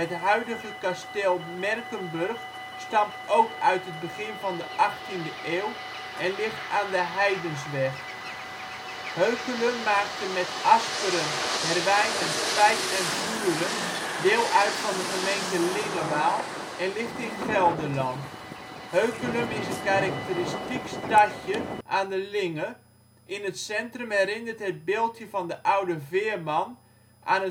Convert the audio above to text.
huidige kasteel Merckenburg stamt ook uit het begin van de 18e eeuw en ligt aan de Heidensweg. Heukelum maakt met Asperen, Herwijnen, Spijk en Vuren deel uit van de gemeente Lingewaal en ligt in Gelderland. Heukelum is een karakteristiek stadje aan de Linge. In het centrum herinnert het beeldje van de oude veerman aan